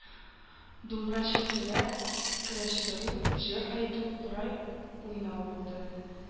Думбра чиртүләр, көрәштерү, җыр әйтү, курай уйнау булды.